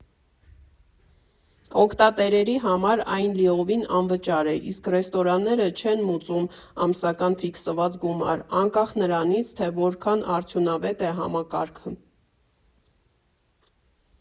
Օգտատերերի համար այն լիովին անվճար է, իսկ ռեստորանները չեն մուծում ամսական ֆիքսված գումար՝ անկախ նրանից, թե որքան արդյունավետ է համակարգը։